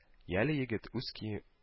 Яле, егет, уз кие